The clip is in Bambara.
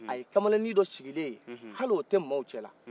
a ye kamalenin dɔ sigilen ye hali o tɛ maw cɛla